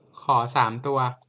ขอสามตัว